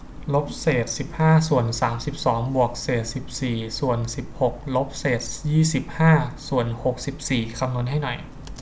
ลบเศษสิบห้าส่วนสามสิบสองบวกเศษสิบสี่ส่วนสิบหกลบเศษยี่สิบห้าส่วนหกสิบสี่คำนวณให้หน่อย